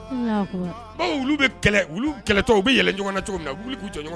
Alahakubaru ko wuluw be kɛlɛ wuluw kɛlɛtɔ u be yɛlɛ ɲɔgɔnna cogo minna u bi wuli k'u jɔ ɲɔgɔn